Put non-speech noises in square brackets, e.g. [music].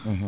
[hesitation] [hesitation]